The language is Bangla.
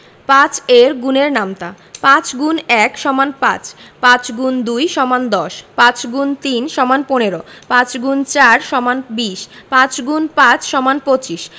৫ এর গুণের নামতা ৫× ১ = ৫ ৫× ২ = ১০ ৫× ৩ = ১৫ ৫× ৪ = ২০ ৫× ৫ = ২৫